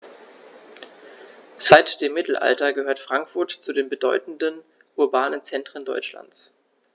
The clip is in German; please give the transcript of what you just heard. Seit dem Mittelalter gehört Frankfurt zu den bedeutenden urbanen Zentren Deutschlands.